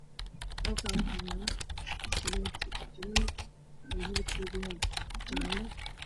Halkan waxaa ciyaal sarwaal midigtiisu yahay